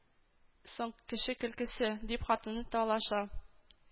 Соң, кеше көлкесе! — дип хатыны талаша